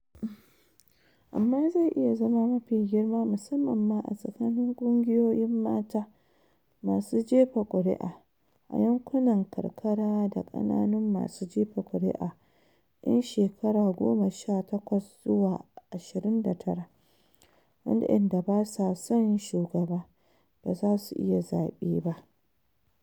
Amma zai iya zama mafi girma, musamman a tsakanin kungiyoyin mata masu jefa kuri'a, a yankunan karkara da kananun masu jefa kuri'a, 'yan shekaru 18 zuwa 29, waɗanda ba su son shugaba, ba za su yi zabe ba."